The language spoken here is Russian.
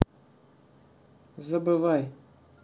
забывай